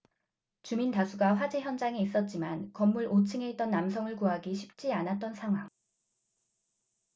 주민 다수가 화재 현장에 있었지만 건물 오 층에 있던 남성을 구하기 쉽지 않았던 상황